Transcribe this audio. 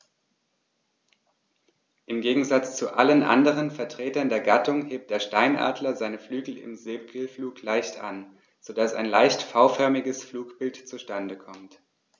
Im Gegensatz zu allen anderen Vertretern der Gattung hebt der Steinadler seine Flügel im Segelflug leicht an, so dass ein leicht V-förmiges Flugbild zustande kommt.